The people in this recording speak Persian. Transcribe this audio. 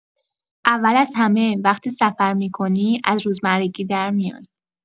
اول از همه، وقتی سفر می‌کنی، از روزمرگی در میای.